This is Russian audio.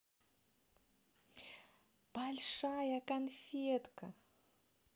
большая конфетка